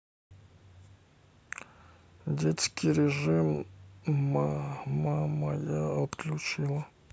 детский режим мама моя отключила